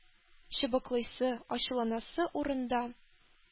Чыбыклыйсы, ачуланасы урында,